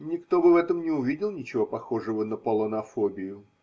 никто бы в этом не увидел ничего похожего на полонофобию.